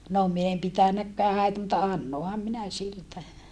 no minä en pitänytkään häitä mutta annoinhan minä siltä